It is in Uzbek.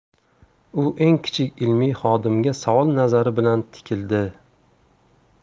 u eng kichik ilmiy xodimga savol nazari bilan tikildi